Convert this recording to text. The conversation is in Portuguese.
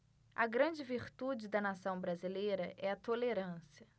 a grande virtude da nação brasileira é a tolerância